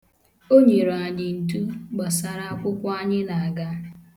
O nyere anyị ndu gbasara akwụkwọ anyị na-aga.